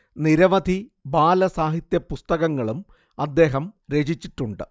നിരവധി ബാല സാഹിത്യ പുസ്തകങ്ങളും അദ്ദേഹം രചിച്ചിട്ടുണ്ട്